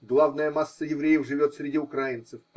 Главная масса евреев живет среди украинцев.